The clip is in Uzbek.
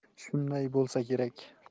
shunday bo'lsa kerak